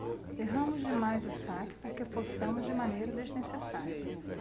erramos demais o saque porque forçamos de maneira desnecessária